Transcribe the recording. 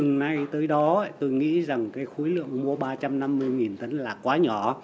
này tới đó tôi nghĩ rằng cái khối lượng mua ba trăm năm mươi nghìn tấn là quá nhỏ